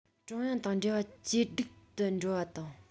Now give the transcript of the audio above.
ཀྲུང དབྱང དང འབྲེལ བ ཇེ སྡུག ཏུ འགྲོ བ དང